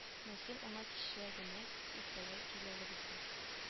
Нәсим аңа кичәгенәк иртәгә кил әле безгә